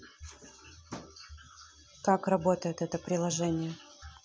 как работает это приложение